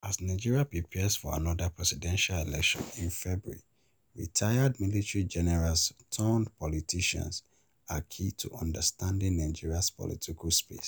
As Nigeria prepares for another presidential election in February, retired military generals turned politicians are key to understanding Nigeria's political space.